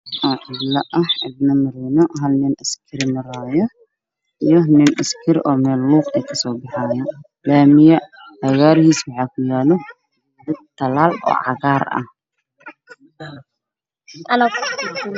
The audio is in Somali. Aawado cidla ah waxaa maraayo hal askari iyo askari kale oo meel jiro kasoo baxaayo laamaha gadaa heshiis waxaa ku yaalla tallaal oo cagaar ah